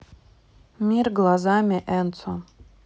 мир глазами энцо